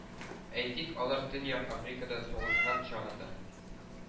Әйтик, алар Төньяк Африкада сугышкан чагында